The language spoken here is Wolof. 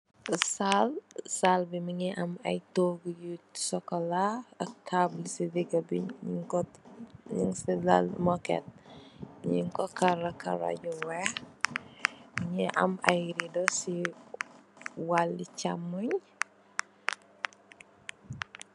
Sal. sal bi mu nge am togu yu sokola ak table si digabi nu fa lal muket nyu ko karo karo bu wey.